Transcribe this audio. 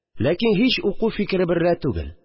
Ләкин һич уку фикере берлә түгел